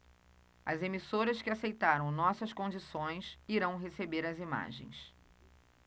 as emissoras que aceitaram nossas condições irão receber as imagens